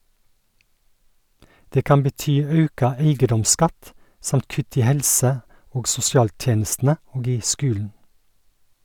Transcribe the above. Det kan bety auka eigedomsskatt, samt kutt i helse- og sosialtenestene og i skulen.